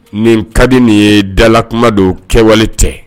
Nin ka nin ye dalalakuma don kɛwale tɛ